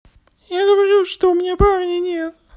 я говорю что у меня парня нет